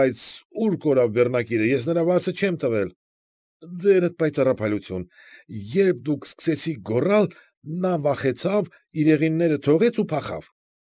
Բայց ո՞ւր կորավ բեռնակիրը, ես նրա վարձը չեմ տվել։ ֊ Ձերդ պայծառափայլություն, երբ դուք սկսեցիք գոռալ, նա վախեցավ, իրեղենները թողեց ու փախավ։